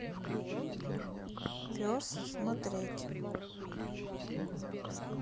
пес смотреть